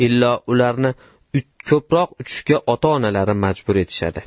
illo ularni ko'proq uchishga ota onalari majbur etishadi